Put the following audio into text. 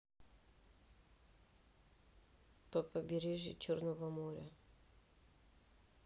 по побережью черного моря